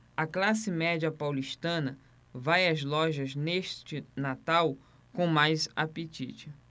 a classe média paulistana vai às lojas neste natal com mais apetite